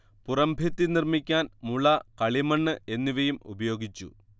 പുറം ഭിത്തി നിർമ്മിക്കാൻ മുള കളിമണ്ണ് എന്നിവയും ഉപയോഗിച്ചു